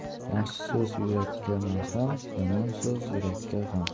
yaxshi so'z yurakka malham yomon so'z yurakka g'am